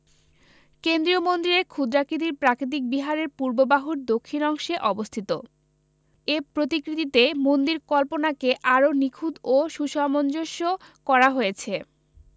কেন্দ্রীয় মন্দিরের ক্ষুদ্রাকৃতির প্রাকৃতিক বিহারের পূর্ব বাহুর দক্ষিণ অংশে অবস্থিত এ প্রতিকৃতিতে মন্দির কল্পনাকে আরও নিখুঁত এবং সুসমঞ্জস্য করা হয়েছে